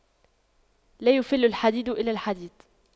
لا يَفُلُّ الحديد إلا الحديد